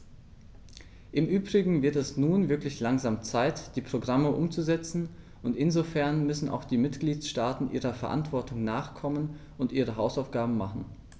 Im übrigen wird es nun wirklich langsam Zeit, die Programme umzusetzen, und insofern müssen auch die Mitgliedstaaten ihrer Verantwortung nachkommen und ihre Hausaufgaben machen.